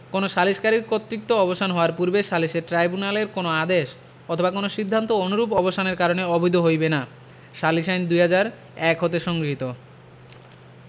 কোন সালিসকারীর কর্তৃত্ব অবসান হওয়ার পূর্বে সালিসী ট্রাইব্যুনালের কোন আদেশ অথবা কোন সিদ্ধান্ত অনুরূপ অবসানের কারণে অবৈধ হইবে না সালিস আইন ২০০১ হতে সংগৃহীত